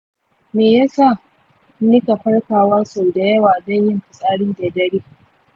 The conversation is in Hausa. me yasa nika farkawa sau da yawa don yin fitsari da dare?